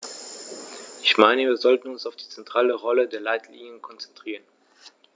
Ich meine, wir sollten uns auf die zentrale Rolle der Leitlinien konzentrieren.